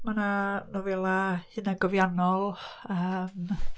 Mae 'na nofela hunangofiannol ymm...